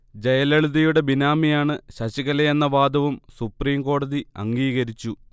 ജയലളിതയുടെ ബിനാമിയാണ് ശശികലയെന്ന വാദവും സുപ്രീംകോടതി അംഗീകരിച്ചു